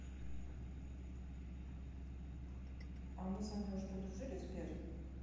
а мы с вами уже подружились сбер